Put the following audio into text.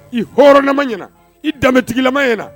I hɔrɔnlamama ɲɛna i danbetigilama ɲɛna